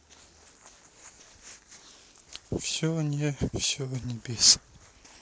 все не все небес